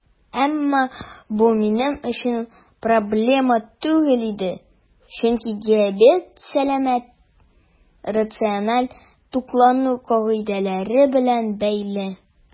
Әмма бу минем өчен проблема түгел иде, чөнки диабет сәламәт, рациональ туклану кагыйдәләре белән бәйле.